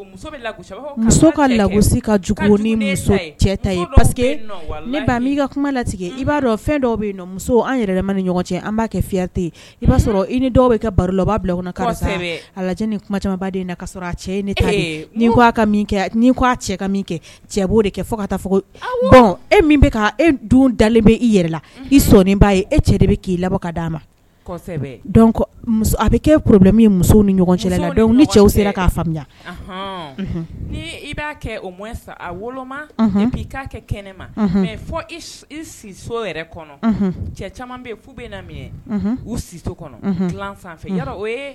'a muso ni ɲɔgɔn cɛ b'a kɛa baro lajɛ taa e e dalen bɛ i'a e cɛ de k'i ka d dia ma a bɛ muso ni ɲɔgɔn cɛ ni cɛ sera'a faamuya ni i'a kɛ wolo kɛ kɛnɛ ma mɛ na u si